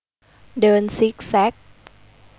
เดินซิกแซก